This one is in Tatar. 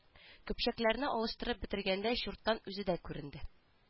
Көпчәкләрне алыштырып бетергәндә чуртан үзе дә күренде